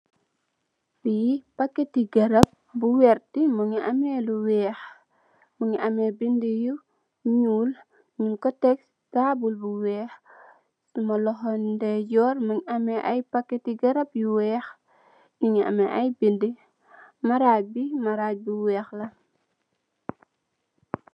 Li packet ti garap bu werta mungi ame binduh yu weex, mungi ame binduh yu ñuul nyung ko tek ci tabul bu ñuul. Suma loxo ndeye jorr mungi ame packet ti garap yu weex, mungi ame ay binduh, maraj bi maraj bu weex la.